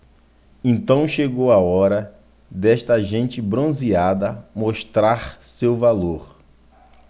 então chegou a hora desta gente bronzeada mostrar seu valor